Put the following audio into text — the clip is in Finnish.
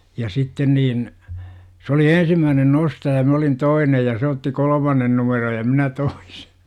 ja sitten niin se oli ensimmäinen nostaja minä olin toinen ja se otti kolmannen numeron ja minä toisen